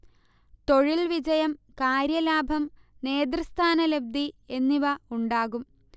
തൊഴിൽ വിജയം, കാര്യലാഭം, നേതൃസ്ഥാനലബ്ധി എന്നിവ ഉണ്ടാകും